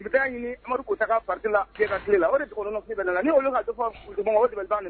Musa y'a ɲini Amadu Koyita ka parti la IBK tile la ni y'olu ye ka dɔ fɔ politique mɔgɔw ma